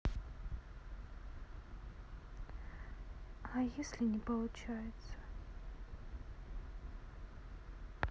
а если не получается